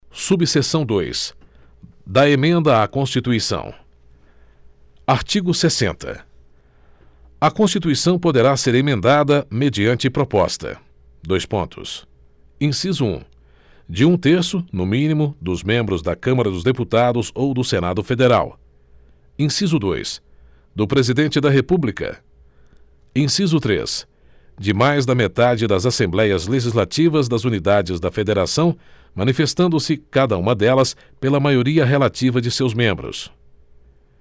subseção dois da emenda à constituição artigo sessenta a constituição poderá ser emendada mediante proposta dois pontos inciso um de um terço no mínimo dos membros da câmara dos deputados ou do senado federal inciso dois do presidente da república inciso três de mais da metade das assembléias legislativas das unidades da federação manifestando se cada uma delas pela maioria relativa de seus membros